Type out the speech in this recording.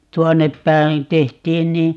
tuonne päin tehtiin niin